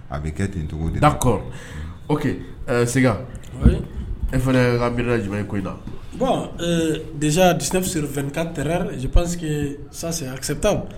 A bɛ kɛ ten togo de la d'accord ok ɛɛ Siga oui e fɛnɛɛ ka miirina ye jumɛn ye ko in na bon euh déjà 19 sur 24 erreurs je pense que ça c'est acceptable